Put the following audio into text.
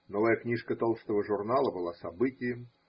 Новая книжка толстого журнала была событием.